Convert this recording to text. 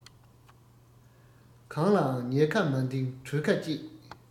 གང ལའང ཉེས ཁ མ འདིངས གྲོས ཁ སྐྱེད